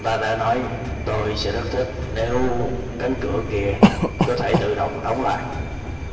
anh ta đã nói tôi sẽ rất thích nếu cánh cửa kìa có thể tự động đóng lại